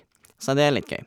Så det er litt gøy.